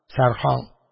Сәрһаң